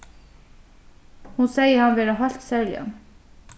hon segði hann vera heilt serligan